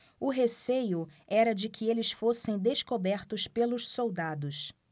o receio era de que eles fossem descobertos pelos soldados